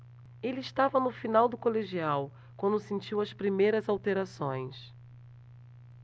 ele estava no final do colegial quando sentiu as primeiras alterações